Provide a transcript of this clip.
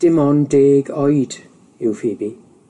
Diim ond deg oed yw Pheobe.